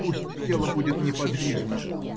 Пусть тело будет неподвижно.